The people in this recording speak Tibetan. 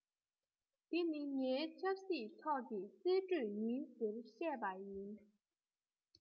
དེ ནི ངའི ཆབ སྲིད ཐོག གི རྩིས སྤྲོད ཡིན ཟེར བཤད པ ཡིན